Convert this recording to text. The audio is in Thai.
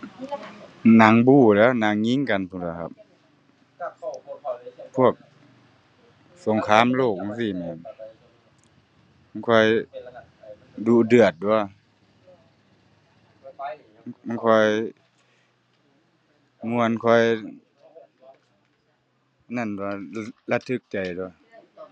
หนังบู๊แหล้ว หนังยิงกันพู้นล่ะครับ พวกสงครามโลกจั่งซี้แหม มันค่อยดุเดือดตั่ว มันค่อยม่วนค่อยนั่นตั่ว ระทึกใจตั่ว